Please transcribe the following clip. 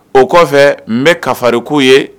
O kɔfɛ n bɛ kariku ye